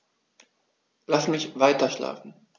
Lass mich weiterschlafen.